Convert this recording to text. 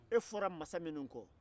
e fɔra mansa minnu kɔ